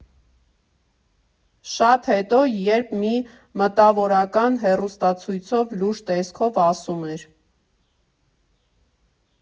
Շատ հետո, երբ մի մտավորական հեռուստացույցով լուրջ տեսքով ասում էր.